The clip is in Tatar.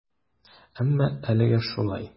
Әмма әлегә шулай.